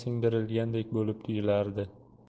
singdirilgandek bo'lib tuyulardi